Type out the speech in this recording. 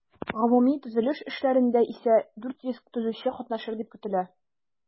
Гомуми төзелеш эшләрендә исә 400 төзүче катнашыр дип көтелә.